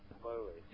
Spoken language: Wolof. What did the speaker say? oui oui